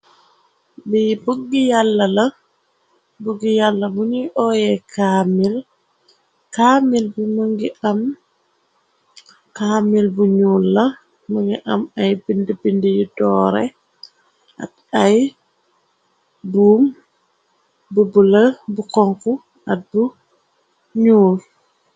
Bi buggi yàlla la bugi yalla buyui ooyeh kamil, kamil bi mugi am kaamil bu ñuul la më ngi am ay bindi bindi yi doore at ay buum bu bula bu khonkho at bu ñuul.